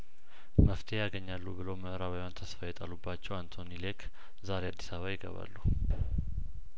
መፍትሄ ያገኛሉ ብለው ምእራባውያን ተስፋ የጣሉባቸው አንቶኒ ሌክ ዛሬ አዲስ አበባ ይገባሉ